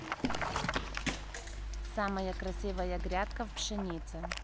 самая красивая грядка в пшенице